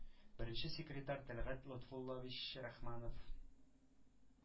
Беренче секретарь Тәлгат Лотфуллович Рахманов